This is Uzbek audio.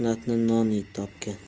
mehnatni non topgan